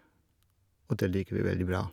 Og det liker vi veldig bra.